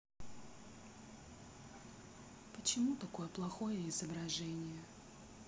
почему такое плохое изображение